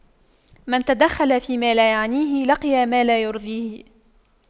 من تَدَخَّلَ فيما لا يعنيه لقي ما لا يرضيه